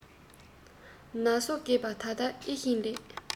ན སོ རྒས པ ད ལྟ ཨེ ཤེས ལ